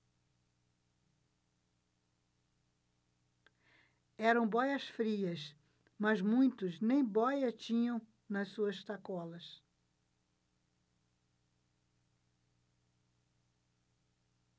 eram bóias-frias mas muitos nem bóia tinham nas suas sacolas